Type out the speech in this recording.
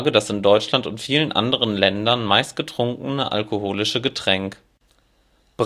das in Deutschland und vielen anderen Ländern meistgetrunkene alkoholische Getränk. Hauptartikel: Bierbrauen